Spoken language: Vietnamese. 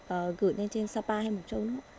gửi lên trên sa pa hay mộc châu nữa